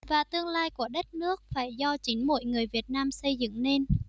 và tương lai của đất nước phải do chính mỗi người việt nam xây dựng nên